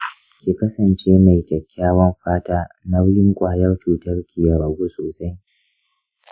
ki kasance mai kyakkyawan fata; nauyin ƙwayar cutar ki ya ragu sosai.